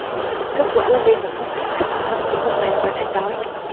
kết quả là gây ngập úng đất trồng phá hủy mùa màng và nạn đói